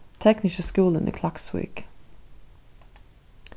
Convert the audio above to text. tekniski skúlin í klaksvík